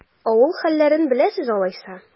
Авыл хәлләрен беләсез алайса?